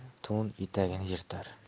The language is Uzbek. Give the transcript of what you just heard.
to'n etagini yirtar